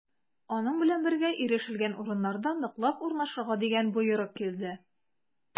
Аның белән бергә ирешелгән урыннарда ныклап урнашырга дигән боерык килде.